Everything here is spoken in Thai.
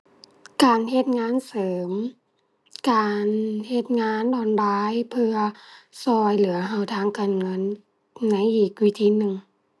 การเฮ็ดงานเสริม การเฮ็ดงานออนไลน์ เพื่อช่วยเหลือช่วยทางการเงินในอีกวิธีหนึ่ง